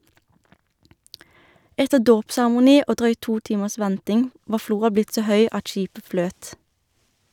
Etter dåpsseremoni og drøyt to timers venting var floa blitt så høy at skipet fløt.